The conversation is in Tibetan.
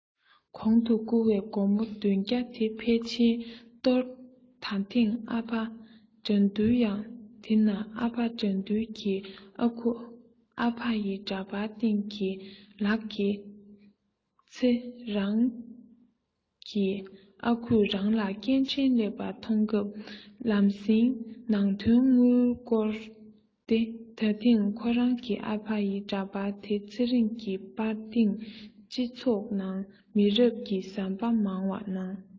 གོང དུ བསྐུར བའི སྒོར མོ བདུན བརྒྱ དེ ཕལ ཆེར གཏོར ད ཐེངས ཨ ཕ དགྲ འདུལ ཡང དེ ན ཨ ཕ དགྲ འདུལ གྱི ཨ ཁུ ཨ ཕ ཡི འདྲ པར སྟེང གྱི ལག གི ཚེ རང གི ཨ ཁུས རང ལ སྐད འཕྲིན སླེབས པ མཐོང སྐབས ལང སེང ནང དོན དངུལ བསྐུར ན ཏེ ད ཐེངས ཁོ རང གི ཨ ཕ ཡི འདྲ པར དེ ཚེ རིང གི ཕར དེང སྤྱི ཚོགས ནང མི རབས བར གྱི ཟམ པ མང བར སྣང